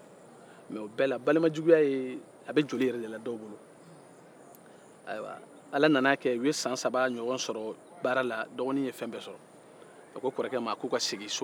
ala nana a kɛ u ye san saba ɲɔgɔn sɔrɔ baara la dɔgɔnin ye fɛn bɛɛ sɔrɔ a ko kɔrɔkɛ ma k'u ka segin ka taa so